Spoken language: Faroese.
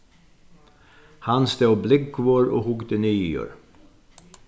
hann stóð blúgvur og hugdi niður